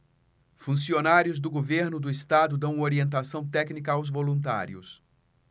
funcionários do governo do estado dão orientação técnica aos voluntários